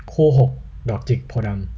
คู่หกดอกจิกโพธิ์ดำ